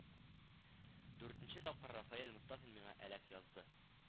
Дүртенче тапкыр Рафаэль Мостафин миңа әләк язды